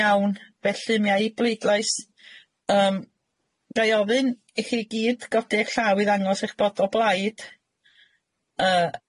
Iawn felly mi a i bleidlais yym ga'i ofyn i chi gyd godi eich llaw i ddangos eich bod o blaid yy